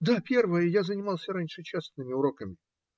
- Да, первое; я занимался раньше частными уроками.